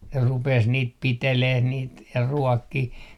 ne rupesi niitä pitelemään niitä ja ruokkimaan